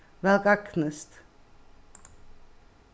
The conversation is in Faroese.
væl gagnist